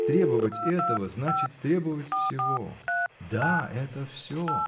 — Требовать этого — значит требовать всего. Да, это всё!